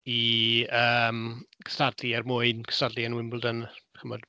i yym cystadlu er mwyn cystadlu yn Wimbledon, chimod.